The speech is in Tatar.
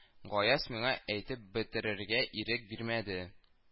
Гаяз миңа әйтеп бетерергә ирек бирмәде